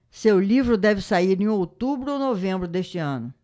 seu livro deve sair em outubro ou novembro deste ano